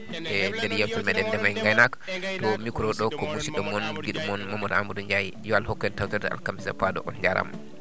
eyyi kadi yewtere meɗen ndema e gaynaka to micro ɗo ko musiɗɗo moon guiɗo moon Mamadou Amadou Ndiaye yo Allah hokku en tawtorde alkamisa paaɗo